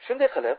shunday qilib